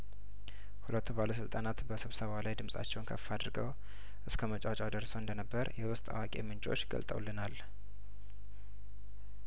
ሁለቱ ባለስልጣናት በስብሰባው ላይ ድምጻቸውን ከፍ አድርገው እስከ መጯጫህ ደርሰው እንደነበር የውስጥ አዋቂ ምንጮች ገልጠውልናል